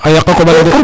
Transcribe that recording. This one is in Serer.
A yaqaa koƥ ale de